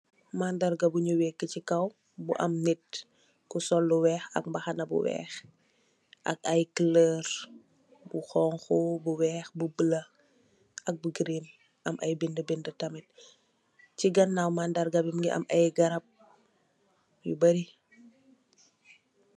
Mandarga bun nyu weka si kaw bu am nit ku sol lu weex ak mahana bu wey ak ai color bu honha bu wey ak bu bolo ak bu green am ai bideh bideh tamit si ganow mandarga mugi ameh ai garap.